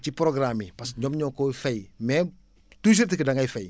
ci programme yi parce que ñoom ñoo ko fay mais toujours que da ngay fay